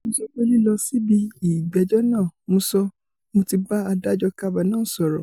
Mo sọ pé lílọ síbi ìgbẹ́jọ́ náà, mo sọ, mo ti bá adájọ́ Kavanaugh sọ̀rọ̀.